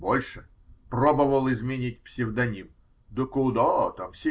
Больше: пробовал изменить псевдоним, да куда там!